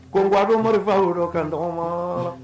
Ko ko bɛ marifa kan n dɔgɔ ma